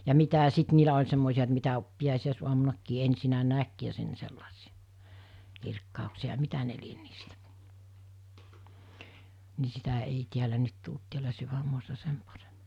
ja mitä ja sitten niillä oli semmoisia että mitä pääsiäisaamunakin ensin näki ja sen sellaisia kirkkauksia ja mitä ne lie niistä niin sitä ei täällä nyt tullut täällä sydänmaassa sen paremmin